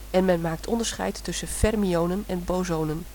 en men maakt onderscheid tussen fermionen en bosonen